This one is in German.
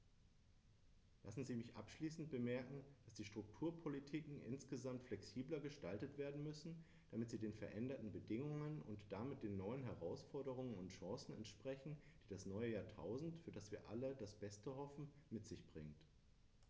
Lassen Sie mich abschließend anmerken, dass die Strukturpolitiken insgesamt flexibler gestaltet werden müssen, damit sie den veränderten Bedingungen und damit den neuen Herausforderungen und Chancen entsprechen, die das neue Jahrtausend, für das wir alle das Beste hoffen, mit sich bringt.